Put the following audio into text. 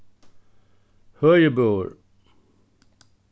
høgibøur